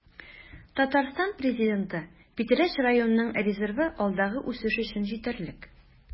Татарстан Президенты: Питрәч районының резервы алдагы үсеш өчен җитәрлек